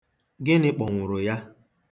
Gịnị kpọnwụrụ ya?